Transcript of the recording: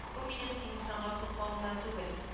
Бу минем сине санга сукмавымнан түгел